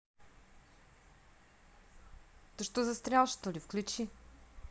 ты что застрял что ли включи